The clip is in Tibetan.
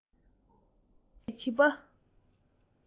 འཚར ལོངས ཡོང བཞིན པའི བྱིས པ